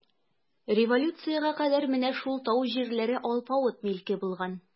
Революциягә кадәр менә шул тау җирләре алпавыт милке булган.